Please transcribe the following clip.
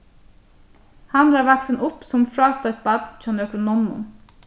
hann var vaksin upp sum frástoytt barn hjá nøkrum nonnum